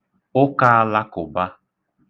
Ụkāàlakụ̀bā